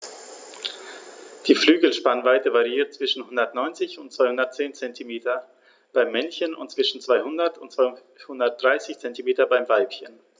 Die Flügelspannweite variiert zwischen 190 und 210 cm beim Männchen und zwischen 200 und 230 cm beim Weibchen.